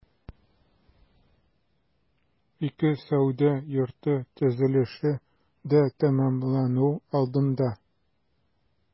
Ике сәүдә йорты төзелеше дә тәмамлану алдында.